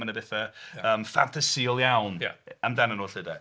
Mae 'na bethau yym ffantasïol iawn amdanyn nhw 'lly 'de